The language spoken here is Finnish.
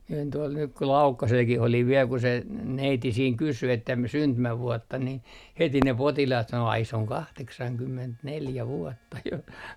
minä olin tuolla nyt kun Laukkasellakin olin vielä kun se neiti siinä kysyi että - syntymävuotta niin heti ne potilaat sanoi ai se on kahdeksankymmentäneljä vuotta jo